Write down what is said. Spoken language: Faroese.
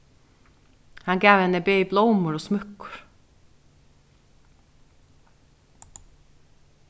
hann gav henni bæði blómur og smúkkur